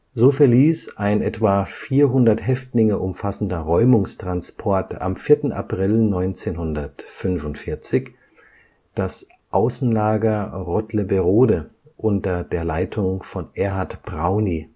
So verließ ein etwa 400 Häftlinge umfassender Räumungstransport am 4. April 1945 das Außenlager Rottleberode unter der Leitung von Erhard Brauny